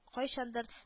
Кайчандыр